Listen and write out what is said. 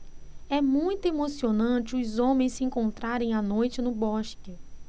é muito emocionante os homens se encontrarem à noite no bosque